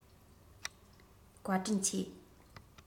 བཀའ དྲིན ཆེ